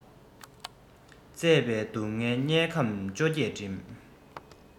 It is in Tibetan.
བཙས པའི སྡུག སྔལ མྱལ ཁམས བཅོ བརྒྱད འགྲིམ